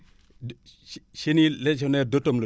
du chenille légionaire d' automne la